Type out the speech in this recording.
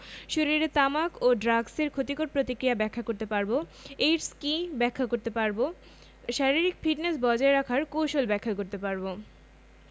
শরীরে তামাক ও ড্রাগসের ক্ষতিকর প্রতিক্রিয়া ব্যাখ্যা করতে পারব এইডস কী ব্যাখ্যা করতে পারব শারীরিক ফিটনেস বজায় রাখার কৌশল ব্যাখ্যা করতে পারব